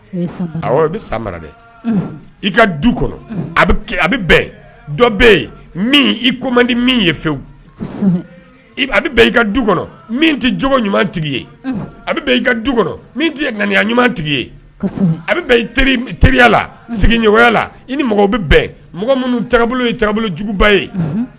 Dɔ bɛ i ko man di min ye fɛwu i ka du kɔnɔ min tɛ j ɲumantigi ye a i ka du ŋaniya ɲuman tigi ye a teriyala sigiya la i ni mɔgɔ bɛ bɛn mɔgɔ minnu taabolo yejuguba ye